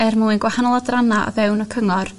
er mwyn gwahanol adrana o fewn y Cyngor